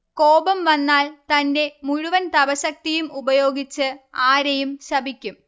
കോപം വന്നാൽ തന്റെ മുഴുവൻ തപഃശക്തിയും ഉപയോഗിച്ച് ആരെയും ശപിക്കും